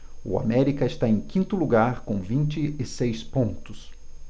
o américa está em quinto lugar com vinte e seis pontos